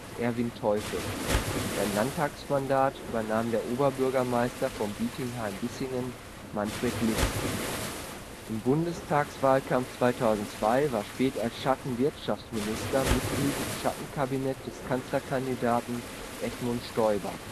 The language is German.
Erwin Teufel. Sein Landtagsmandat übernahm der Oberbürgermeister von Bietigheim-Bissingen Manfred List. Im Bundestagswahlkampf 2002 war Späth als Schatten-Wirtschaftsminister Mitglied im Schattenkabinett des Kanzlerkandidaten Edmund Stoiber